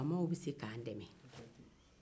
faamaw be se k'an dɛmɛ